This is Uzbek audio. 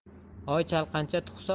oy chalqancha tug'sa